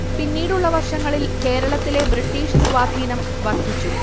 പിന്നീടുള്ള വർഷങ്ങളിൽ കേരളത്തിലെ ബ്രിട്ടീഷ് സ്വാധീനം വർദ്ധിച്ചു